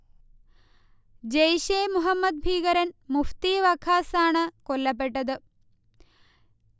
ജെയ്ഷെ മുഹമ്മദ് ഭീകരൻ മുഫ്തി വഖാസ് ആണ് കൊല്ലപ്പെട്ടത്